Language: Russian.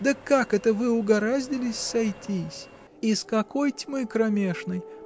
— да как это вы угораздились сойтись? Из какой тьмы кромешной!